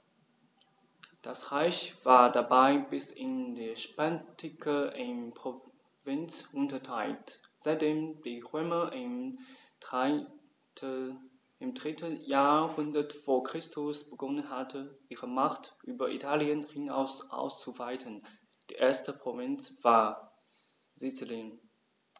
Das Reich war dabei bis in die Spätantike in Provinzen unterteilt, seitdem die Römer im 3. Jahrhundert vor Christus begonnen hatten, ihre Macht über Italien hinaus auszuweiten (die erste Provinz war Sizilien).